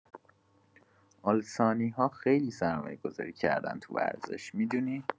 آل‌ثانی‌ها خیلی سرمایه‌گذاری کردن تو ورزش، می‌دونی؟